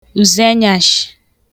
ùzenyashị̀